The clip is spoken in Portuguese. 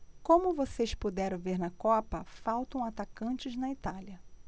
como vocês puderam ver na copa faltam atacantes na itália